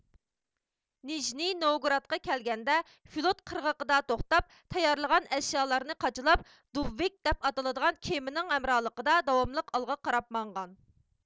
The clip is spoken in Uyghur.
نىژنى نوۋگورودقا كەلگەندە فلوت قىرغىقىدا توختاپ تەييارلىغان ئەشيالارنى قاچىلاپ دۇبۋىك دەپ ئاتىلىدىغان كېمىنىڭ ھەمراھلىقىدا داۋاملىق ئالغا قاراپ ماڭغان